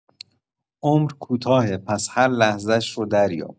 عمر کوتاهه، پس هر لحظه‌اش رو دریاب.